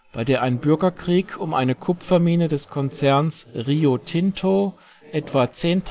bei der ein Bürgerkrieg um eine Kupfermine des Konzerns Rio Tinto etwa 10